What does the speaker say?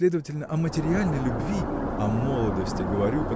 следовательно о материальной любви. – О молодости говорю